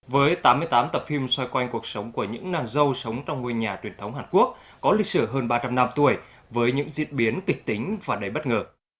với tám mươi tám tập phim xoay quanh cuộc sống của những nàng dâu sống trong ngôi nhà truyền thống hàn quốc có lịch sử hơn ba trăm năm tuổi với những diễn biến kịch tính và đầy bất ngờ